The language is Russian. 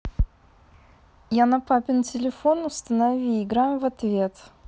я на папин телефон установи играем в ответ